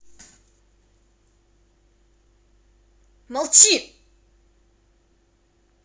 молчи